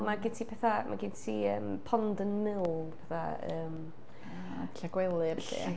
Ma' gen ti petha... mae gen ti yym Ponden Mill, fatha yym dillad gwely a ballu.